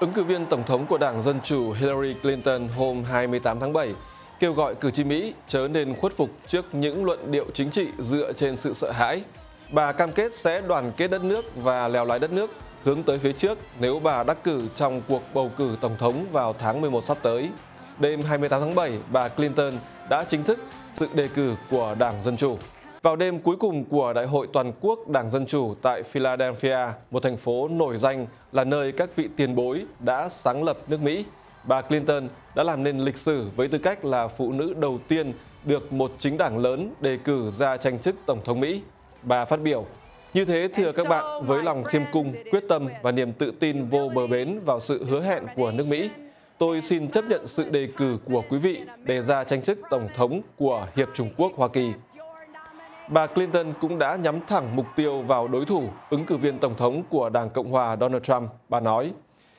ứng cử viên tổng thống của đảng dân chủ hi la ri cờ lin tơn hôm hai mươi tám tháng bảy kêu gọi cử tri mỹ chớ nên khuất phục trước những luận điệu chính trị dựa trên sự sợ hãi bà cam kết sẽ đoàn kết đất nước và lèo lái đất nước hướng tới phía trước nếu bà đắc cử trong cuộc bầu cử tổng thống vào tháng mười một sắp tới đêm hai mươi tám tháng bảy bà cờ lin tơn đã chính thức đề cử của đảng dân chủ vào đêm cuối cùng của đại hội toàn quốc đảng dân chủ tại phi la đen phi a một thành phố nổi danh là nơi các vị tiền bối đã sáng lập nước mỹ bà cờ lin tơn đã làm nên lịch sử với tư cách là phụ nữ đầu tiên được một chính đảng lớn đề cử ra tranh chức tổng thống mỹ bà phát biểu như thế thì các bạn với lòng khiêm cung quyết tâm và niềm tự tin vô bờ bến vào sự hứa hẹn của nước mỹ tôi xin chấp nhận sự đề cử của quý vị để ra tranh chức tổng thống của hiệp chủng quốc hoa kỳ bà cờ lin tơn cũng đã nhắm thẳng mục tiêu vào đối thủ ứng cử viên tổng thống của đảng cộng hòa đô nờ trăm bà nói